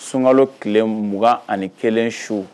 Sunkalo tile 21 su